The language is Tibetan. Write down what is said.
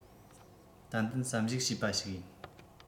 ཏན ཏན བསམ གཞིགས བྱས པ ཞིག ཡིན